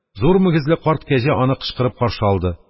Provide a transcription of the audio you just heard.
Зур мөгезле карт кәҗә аны кычкырып каршы алды.